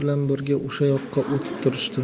bilan birga o'sha yoqqa o'tib turishdi